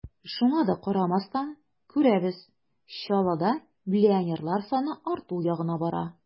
Шуңа да карамастан, күрәбез: Чаллыда миллионерлар саны арту ягына бара.